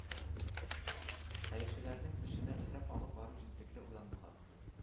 Хәерчеләрнең эшенә исәп алып бару җентекле уйланылган